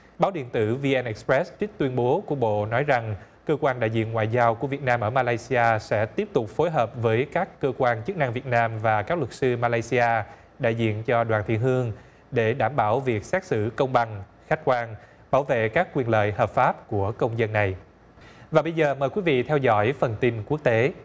báo điện tử vi en ịch rét trích tuyên bố của bộ nói rằng cơ quan đại diện ngoại giao của việt nam ở ma lai xi a sẽ tiếp tục phối hợp với các cơ quan chức năng việt nam và các luật sư ma lai xi a đại diện cho đoàn thị hương để đảm bảo việc xét xử công bằng khách quan bảo vệ các quyền lợi hợp pháp của công dân này và bây giờ mời quý vị theo dõi phần tin quốc tế